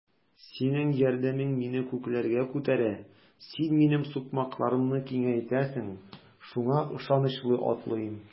Синең ярдәмең мине күкләргә күтәрә, син минем сукмакларымны киңәйтәсең, шуңа ышанычлы атлыйм.